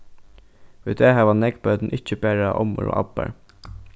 í dag hava nógv børn ikki bara ommur og abbar